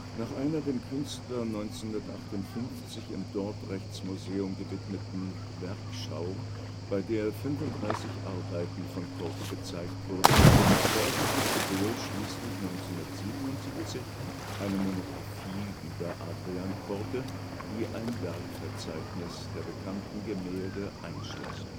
Nach einer dem Künstler 1958 im Dordrechts Museum gewidmeten Werkschau, bei der 35 Arbeiten von Coorte gezeigt wurden, veröffentlichte Bol schließlich 1977 eine Monografie über Andriaen Coorte, die ein Werkverzeichnis der bekannten Gemälde einschloss